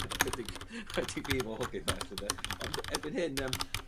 Yn 'wedig 'wedig fi fel hogytn fach t'od 'de? Ond erbyn hyn yym